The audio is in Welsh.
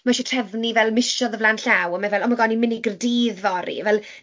Mae isie trefnu fel misoedd o flaen llaw, a mae fel "OMG ni'n mynd i Gaerdydd fory" fel.